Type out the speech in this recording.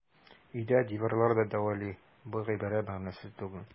Өйдә диварлар да дәвалый - бу гыйбарә мәгънәсез түгел.